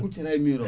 kuccitaye mur o